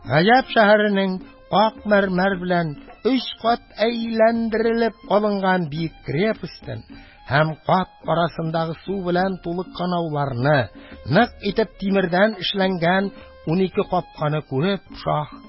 Гаҗәп шәһәреннән ак мәрмәр белән өч кат әйләндерелеп алынган биек крепостен, һәр кат арасындагы су белән тулы канауларны, нык итеп тимердән эшләнгән унике капканы күреп, шаһ